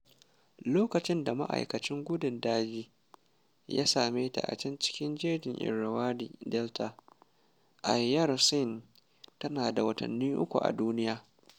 Lokacin da ma'aikacin gandun daji ya same ta can cikin jejin Irrawaddy Delta, Ayeyar Sein tana da watanni uku a duniya.